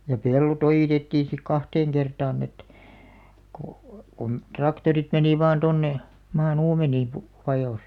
ja pellot ojitettiin sitten kahteen kertaan että kun kun traktorit meni vain tuonne maan uumeniin - vajosi